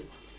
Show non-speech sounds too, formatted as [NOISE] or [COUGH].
[HESITATION] [HESITATION]